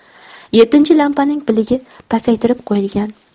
yettinchi lampaning piligi pasaytirib qo'yilgan